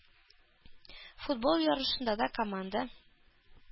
Футбол ярышында да команда